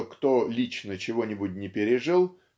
что кто лично чего-нибудь не пережил